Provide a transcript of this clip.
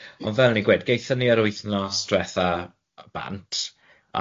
Ond fel o'n i'n gweud, gethon ni yr wythnos dwetha bant,